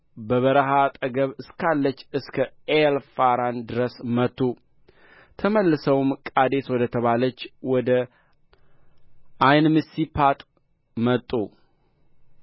በበረሀ አጠገብ እስካለች እስከ ኤል ፋራን ድረስ መቱ ተመልሰውም ቃዴስ ወደ ተባለች ወደ ዓይንሚስፓጥ መጡ